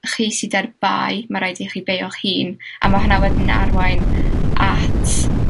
chi sydd â'r bai. Ma' raid i chi beio'ch hun a ma' hwnna wedyn arwain at